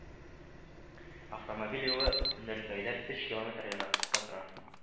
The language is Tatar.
Автомобиль юлы Нөркәйдән өч километр ераклыкта тора